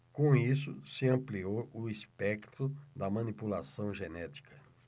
com isso se ampliou o espectro da manipulação genética